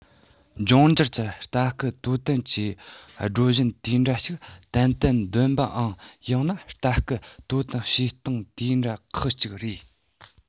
འབྱུང འགྱུར གྱི ལྟ སྐུལ དོ དམ གྱི སྒྲོམ གཞིའི དེ འདྲ ཞིག ཏན ཏན འདོན པའམ ཡང ན ལྟ སྐུལ དོ དམ བྱེད སྟངས དེ འདྲ ཁག གཅིག རེད